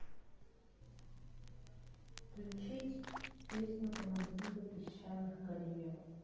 включить песню командиры песчаных карьеров